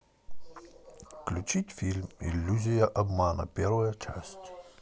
включить фильм иллюзия обмана первая часть